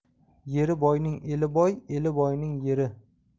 yeri boyning eli boy eli boyning yeri